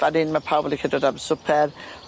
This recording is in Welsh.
Fan 'yn ma' pawb yn licio dod am swper.